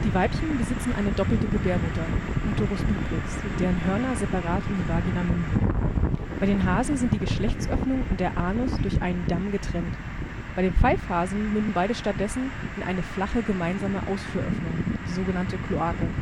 Weibchen besitzen eine doppelte Gebärmutter (Uterus duplex), deren Hörner separat in die Vagina münden. Bei den Hasen sind die Geschlechtsöffnung und der Anus durch einen Damm (Perineum) getrennt, bei den Pfeifhasen münden beide stattdessen in eine flache gemeinsame Ausführöffnung (Kloake